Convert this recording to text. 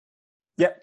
Ie.